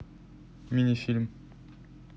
мини фильм